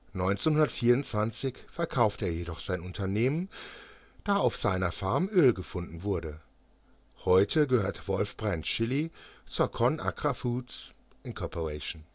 1924 verkaufte er jedoch sein Unternehmen, da auf seiner Farm Öl gefunden wurde. Heute gehört Wolf Brand Chili zur ConAgra Foods, Inc.